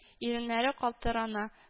Иреннәре калтырана